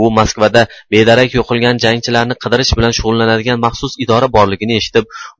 u moskvada bedarak yo'qolgan jangchilarni qidirish bilan shug'ullanadigan maxsus idora borligini eshitib